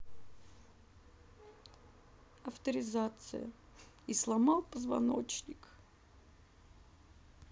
авторизация и сломал позвоночник